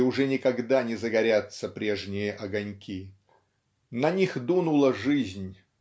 и уже никогда не загорятся прежние огоньки. На них дунула жизнь